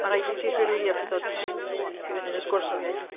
Ma' raid i TH Parry Williams ddod i fyny'n y sgwrs o leia unwaith.